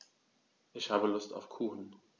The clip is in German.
Ich habe Lust auf Kuchen.